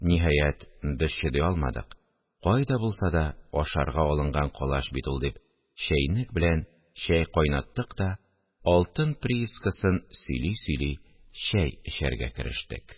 Ниһаять, без чыдый алмадык, «кайда булса да, ашарга алынган калач бит ул...» дип, чәйнек белән чәй кайнаттык та, алтын приискасын сөйли-сөйли, чәй эчәргә керештек